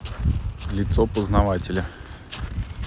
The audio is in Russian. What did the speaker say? лицо познавателя